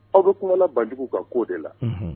Aw bɛ kumala Banjugu kan ko de la, unhun